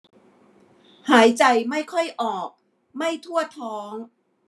หายใจไม่ค่อยออกไม่ทั่วท้อง